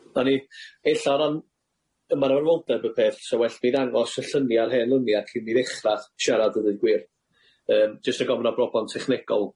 'Na ni. Ella o ran ymarferoldeb y peth, 'se well fi ddangos y llynia a'r hen lynia cyn mi ddechra siarad a ddeud gwir, yym just rhag ofn bo' 'na broblam technegol